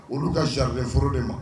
Olu ka sariyaoro de ma